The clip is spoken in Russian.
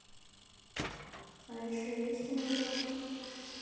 а еще есть анекдоты